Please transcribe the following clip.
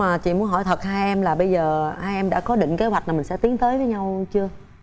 mà chị muốn hỏi thật hai em là bây giờ hai em đã có định kế hoạch là mình sẽ tiến tới với nhau hay chưa